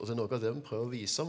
og det er noe av det vi prøver å vise.